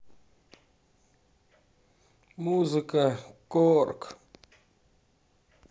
музыка корг